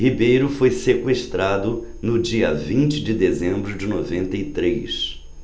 ribeiro foi sequestrado no dia vinte de dezembro de noventa e três